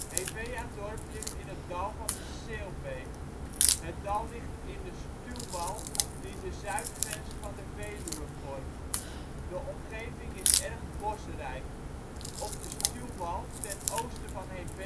Heveadorp ligt in het dal van de Seelbeek. Dit dal ligt in de stuwwal die de zuidgrens van de Veluwe vormt. De omgeving is erg bosrijk. Op de stuwwal ten oosten van Heveadorp